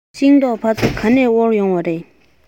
ཤིང ཏོག ཕ ཚོ ག ནས དབོར ཡོང བ རེད